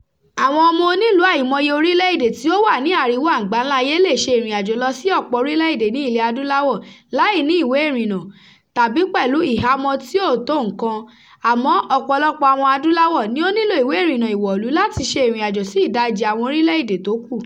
Àwọn ọmọ onílùú àìmọye orílẹ̀-èdè tí ó wà ní Àríwá àgbáńlá ayé lè ṣe ìrìnàjò lọ sí ọ̀pọ̀ orílẹ̀-èdè ní ilẹ̀-adúláwọ̀ láì ní ìwé ìrìnnà, tàbí pẹ̀lú hìhámọ́ tí ò tó nǹkan, àmọ́ ọ̀pọ̀lọpọ̀ Ọmọ-adúláwọ̀ ni ó nílòo ìwé ìrìnnà ìwọ̀lú láti ṣe ìrìnàjò sí ìdajì àwọn orílẹ̀-èdè tí ó kù.